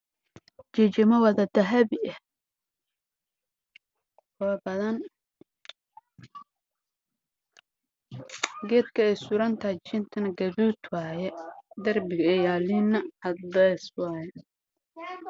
Waa jijjimo u wada dahabi ah oo badan oo saaran caddeys ah waxaa ka dambeeyay meel gelin